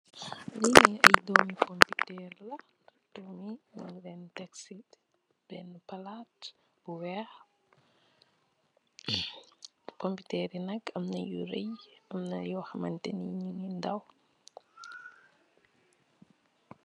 rini pompoterr mom len teh ci pompoterr bi nak, am na yu reyi amna yu daw